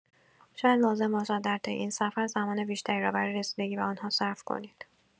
شاید لازم باشد، در طی این سفر، زمان بیشتری را برای رسیدگی به آن‌ها صرف کنید.